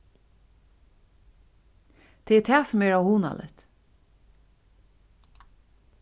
tað er tað sum er óhugnaligt